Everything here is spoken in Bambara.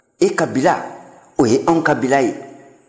e ka bila o ye anw ka bila ye